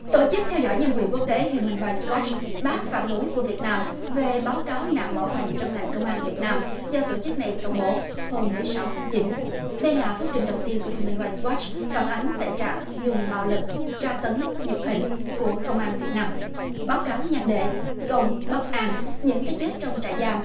tổ chức theo dõi nhân quyền quốc tế hiu mừn rai goắt bác phản đối của việt nam về báo cáo nạn bạo hành trong ngành công an việt nam do tổ chức này công bố hôm mười sáu tháng chín đây là phúc trình đầu tiên của hiu mừn rai goắt phản ánh tệ trạng dùng bạo lực tra tấn nhục hình của công an việt nam báo cáo nhan đề công bất an những cái chết trong trại giam